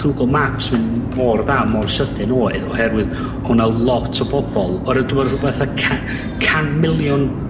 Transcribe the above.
Google Maps mynd mor dda mor sydyn oedd oherwydd o' 'na lot o bobol o' nw dwi me'wl rwbeth a ca- can miliwn